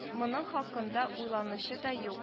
Моның хакында уйлаучыда юк